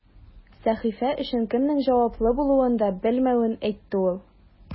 Сәхифә өчен кемнең җаваплы булуын да белмәвен әйтте ул.